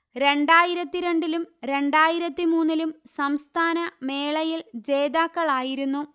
രണ്ടായിരത്തി രണ്ടിലും രണ്ടായിരത്തി മൂന്നിലും സംസ്ഥാന മേളയിൽ ജേതാക്കളായിരുന്നു